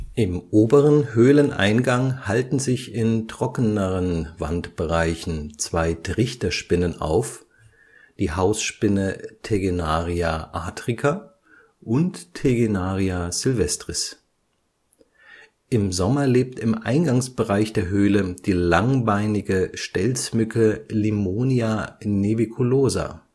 Im oberen Höhleneingang halten sich in trockeneren Wandbereichen zwei Trichterspinnen auf, die Hausspinne Tegenaria atrica und Tegenaria silvestris. Im Sommer lebt im Eingangsbereich der Höhle die langbeinige Stelzmücke Limonia nubeculosa